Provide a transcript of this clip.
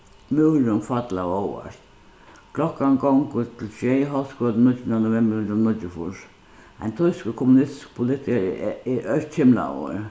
múrurin fall av óvart klokkan gongur til sjey hóskvøldið níggjunda novembur nítjan hundrað og níggjuogfýrs ein týskur politikari er ørkymlaður